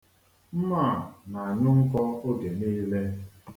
Mma a na-anyụ nkọ oge niile.